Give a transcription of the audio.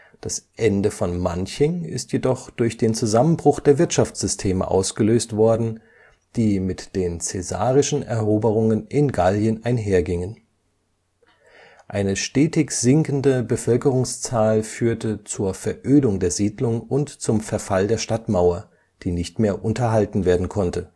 Das Ende von Manching ist jedoch durch den Zusammenbruch der Wirtschaftssysteme ausgelöst worden, die mit den caesarischen Eroberungen in Gallien einhergingen. Eine stetig sinkende Bevölkerungszahl führte zur Verödung der Siedlung und zum Verfall der Stadtmauer, die nicht mehr unterhalten werden konnte